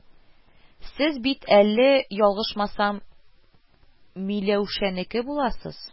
Сез бит әле, ял-гышмасам, Миләүшәнеке буласыз